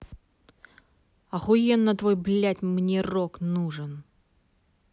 охуенно твой блядь мне рок нужен